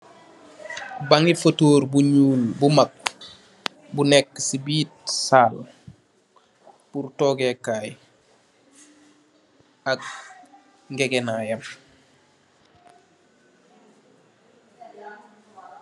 Bangy feutor bu njull bu mak bu nekue cii birr saal pur tog geh kai, ak njehgeh naiiyam.